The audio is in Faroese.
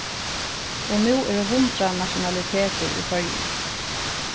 og nú eru hundrað nationalitetir í føroyum